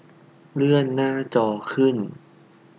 เลื่อนหน้าจอขึ้น